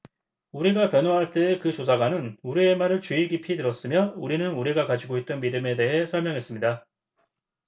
우리가 변호할 때에 그 조사관은 우리의 말을 주의 깊이 들었으며 우리는 우리가 가지고 있던 믿음에 대해 설명했습니다